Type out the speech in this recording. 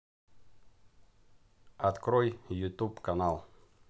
открой ютуб канал